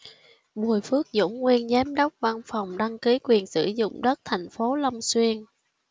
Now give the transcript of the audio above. bùi phước dũng nguyên giám đốc văn phòng đăng ký quyền sử dụng đất thành phố long xuyên